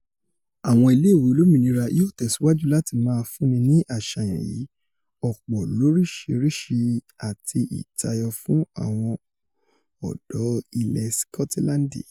Àwọn ilé ìwé olómìnira yóò tẹ̀síwájú láti máa fúnni ní àṣàyàn yìí, ọ̀pọ̀ lóríṣiríṣi àti ìtayọ fún àwọn ọ̀dọ́ ilẹ̀ Sikotilandi.